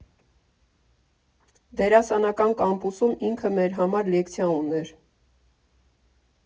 Դերասանական կամպուսում ինքը մեր համար լեկցիա ուներ։